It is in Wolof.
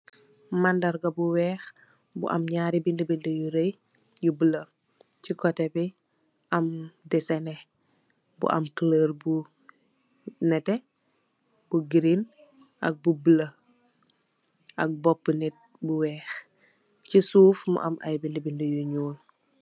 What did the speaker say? Màndarga bu weex bu am naari binda binda yu raay yu bulu si kote bi am desenex bu am colur bu nete bu green ak bu bulu ak boopi nitt bu weex si suuf am ay binda binda yu weex.